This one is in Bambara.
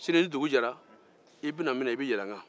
sini ni dugu jɛla i bɛ na n'minɛ i bɛ yɛlɛ n'kan